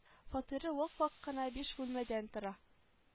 Фатиры вак-вак кына биш бүлмәдән тора